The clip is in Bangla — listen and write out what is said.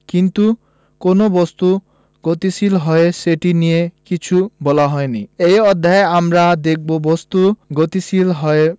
কিন্তু কেন বস্তু গতিশীল হয় সেটি নিয়ে কিছু বলা হয়নি এই অধ্যায়ে আমরা দেখব বস্তু গতিশীল হয়